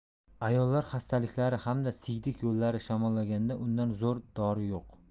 ayollar xastaliklari hamda siydik yo'llari shamollaganda undan zo'r dori yo'q